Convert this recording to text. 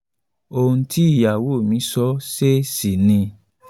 ”Ohun tí ìyàwó mi sọ ṣè ṣì ni.